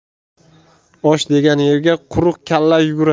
osh degan yerga quruq kalla yugurar